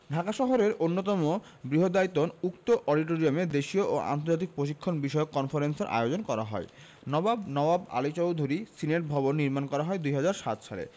ঢাকা শহরের অন্যতম বৃহদায়তন উক্ত অডিটোরিয়ামে দেশীয় ও আন্তর্জাতিক প্রশিক্ষণ বিষয়ক কনফারেন্সের আয়োজন করা হয় নবাব নওয়াব আলী চৌধুরী সিনেটভবন নির্মাণ করা হয় ২০০৭ সালে